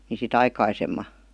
niin sitä aikaisemmin